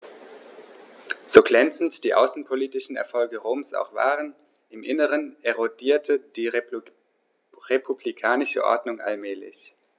So glänzend die außenpolitischen Erfolge Roms auch waren: Im Inneren erodierte die republikanische Ordnung allmählich.